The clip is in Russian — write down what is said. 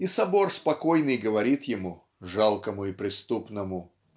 и собор спокойный говорит ему "жалкому и преступному"